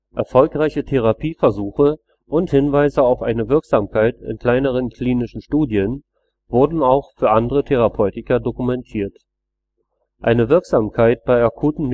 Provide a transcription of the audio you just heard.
Erfolgreiche Therapieversuche und Hinweise auf eine Wirksamkeit in kleineren klinischen Studien wurden auch für andere Therapeutika dokumentiert. Eine Wirksamkeit bei akuten